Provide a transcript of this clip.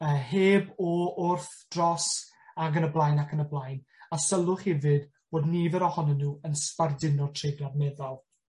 y heb o wrth dros ac yn y blaen ac yn y blaen. A sylwch hefyd bod nifer ohonyn nhw yn sbarduno treiglad meddal.